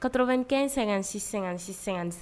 95 56 56